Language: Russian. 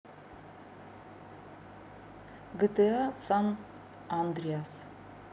gta san andreas